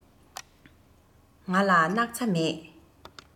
ང ལ སྣག ཚ མེད